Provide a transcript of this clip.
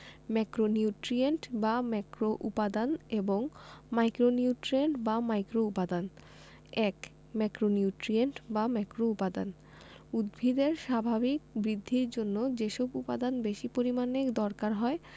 macronutrient বা ম্যাক্রোউপাদান এবং মাইক্রোনিউট্রিয়েন্ট বা মাইক্রোউপাদান ১ ম্যাক্রোনিউট্রিয়েন্ট বা ম্যাক্রোউপাদান উদ্ভিদের স্বাভাবিক বৃদ্ধির জন্য যেসব উপাদান বেশি পরিমাণে দরকার হয়